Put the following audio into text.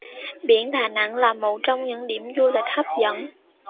biển đà nẵng là một trong những điểm du lịch hấp dẫn